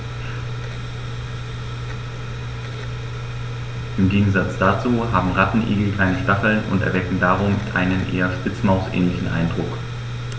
Im Gegensatz dazu haben Rattenigel keine Stacheln und erwecken darum einen eher Spitzmaus-ähnlichen Eindruck.